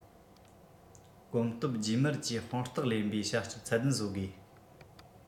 གོམ སྟབས རྗེས མར ཀྱིས དཔང རྟགས ལེན པའི བྱ སྤྱོད ཚད ལྡན བཟོ དགོས